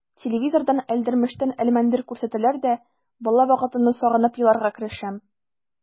Телевизордан «Әлдермештән Әлмәндәр» күрсәтсәләр дә бала вакытымны сагынып еларга керешәм.